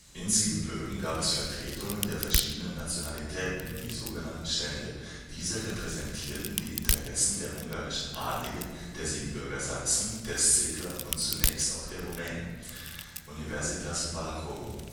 In Siebenbürgen gab es Vertretungen der verschiedenen Nationalitäten, die sog. „ Stände “. Diese repräsentierten die Interessen der ungarischen Adligen, der Siebenbürger Sachsen, der Székler und zunächst auch der Rumänen (Universitas Valachorum